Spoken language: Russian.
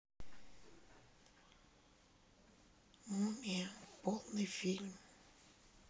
мумия полный фильм